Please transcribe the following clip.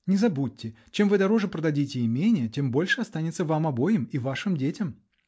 Не забудьте: чем вы дороже продадите имение, тем больше останется вам обоим -- и вашим детям.